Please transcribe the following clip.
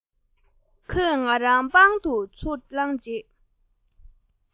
ཁོས ང རང པང དུ ཚུར བླངས རྗེས